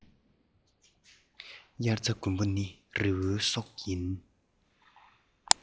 དབྱར རྩྭ དགུན འབུ ནི རི བོའི སྲོག ཡིན